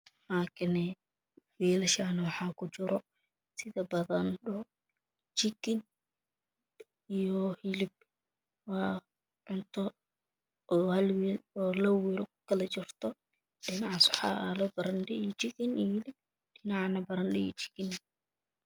Halkane weelashan waxaa kujiro sid barandho jikin iyo hilib waa cunto oo laba meel kukal jirto dhinacaas waxaa aalo barandho iyo jikin iyo hilib dhinacana barandho iyo jikin